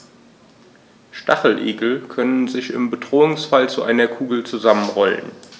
Stacheligel können sich im Bedrohungsfall zu einer Kugel zusammenrollen.